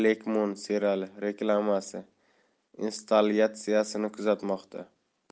moon seriali reklamasi installyatsiyasini kuzatmoqda